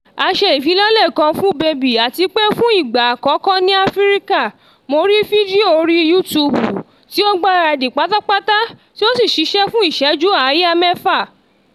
A ṣe ìfilọ́lẹ̀ Kung Fu baby àti pé fún ìgbà àkọ́kọ́ ní Africa, mo rí fídíò orí YouTube tí ó gbáradì pátápátá tí ó sì ṣisẹ́ fún ìṣẹ́jú àáyá 6.